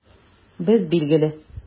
Без, билгеле!